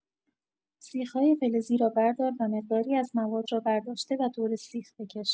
سیخ‌های فلزی را بردار و مقداری از مواد را برداشته و دور سیخ بکش.